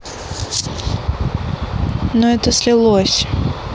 ну это слилось